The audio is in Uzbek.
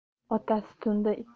otasi tunda ikki uch marta